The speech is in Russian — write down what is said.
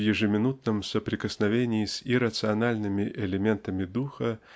в ежеминутном соприкосновении с иррациональными элементами духа